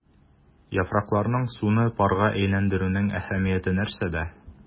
Яфракларның суны парга әйләндерүнең әһәмияте нәрсәдә?